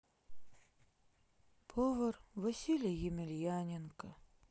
повар василий емельяненко